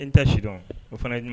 E ta si dɔn o fana jumɛn